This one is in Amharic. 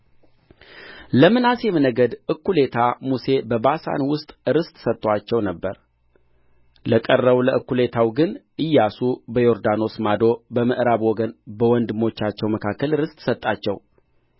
ለምናሴም ነገድ እኩሌታ ሙሴ በባሳን ውስጥ ርስት ሰጥቶአቸው ነበር ለቀረው ለእኩሌታው ግን ኢያሱ በዮርዳኖስ ማዶ በምዕራብ ወገን በወንድሞቻቸው መካከል ርስት ሰጣቸው